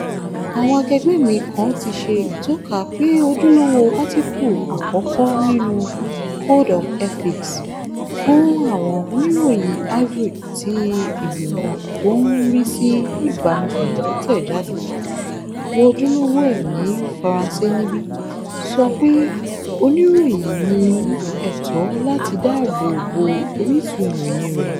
Àwọn akẹgbẹ́ mi kàn tí ṣe ìtọ́ka pé ojúlówó átíkù àkọ́kọ́ nínú Code of Ethics fún àwọn Oníròyìn Ivory tí Ìgbìmọ̀ tó ń rí sii Ìbánisọ̀rọ̀ tẹ jáde (wo ojúlówó ẹ ní Faranse níbí) sọ pé "Oníròyìn ní ẹ̀tọ̀ láti dáàbò bo orísun ìròyìn rẹ̀".